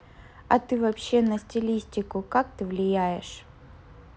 а ты вообще на статистику как ты влияешь